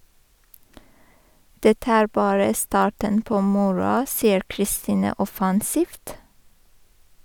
- Dette er bare starten på moroa, sier Kristine offensivt.